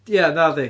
Ia, nadi.